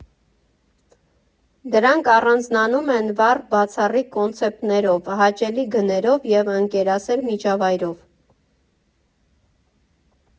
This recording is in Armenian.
Դրանք առանձնանում են վառ, բացառիկ կոնցեպտներով, հաճելի գներով և ընկերասեր միջավայրով։